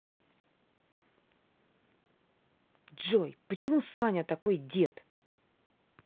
джой почему саня такой дед